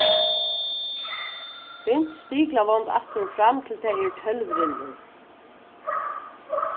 bint stiklavond aftur og fram til tað eru tólv rillur